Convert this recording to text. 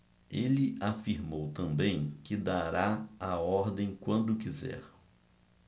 ele afirmou também que dará a ordem quando quiser